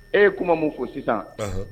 E ye kuma mun fo sisan